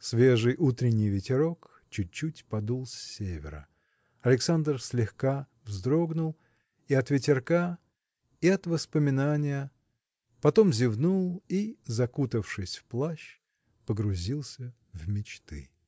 Свежий, утренний ветерок чуть-чуть подул с севера. Александр слегка вздрогнул и от ветерка и от воспоминания потом зевнул и закутавшись в плащ погрузился в мечты.